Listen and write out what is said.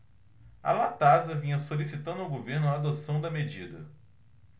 a latasa vinha solicitando ao governo a adoção da medida